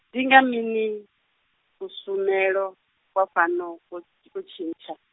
ndi nga mini, kushumele, kwa fhano, kwo kwo tshintsha?